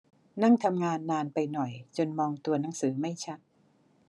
นั่งทำงานนานไปหน่อยจนมองตัวหนังสือไม่ชัด